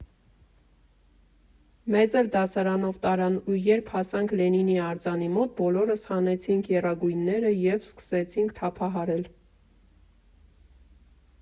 Մեզ էլ դասարանով տարան, ու երբ հասանք Լենինի արձանի մոտ, բոլորս հանեցինք եռագույնները և սկսեցինք թափահարել։